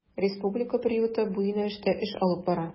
Республика приюты бу юнәлештә эш алып бара.